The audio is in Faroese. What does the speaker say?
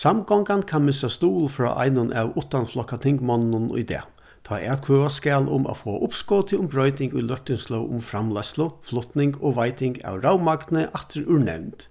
samgongan kann missa stuðul frá einum av uttanflokkatingmonnunum í dag tá atkvøðast skal um at fáa uppskotið um broyting í løgtingslóg um framleiðslu flutning og veiting av ravmagni aftur úr nevnd